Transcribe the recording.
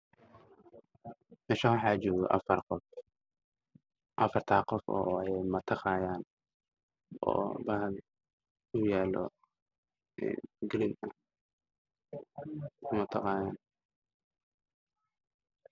Waa sawir farshaxan ah waa afar nin oo weerar hoos yaalo oo ku tafaayo wax welasha waa buluug